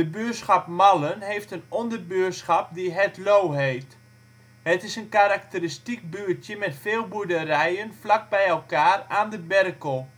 buurschap Mallem heeft een onderbuurschap, die " Het Loo " heet. Het is een karakteristiek buurtje met veel boerderijen vlak bij elkaar aan de Berkel